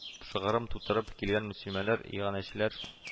Шыгрым тутырып килгән мөслимәләр, иганәчеләр